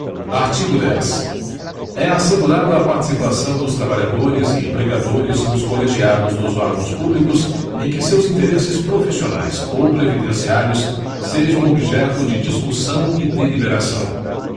artigo dez é assegurada a participação dos trabalhadores e empregadores nos colegiados dos órgãos públicos em que seus interesses profissionais ou previdenciários sejam objeto de discussão e deliberação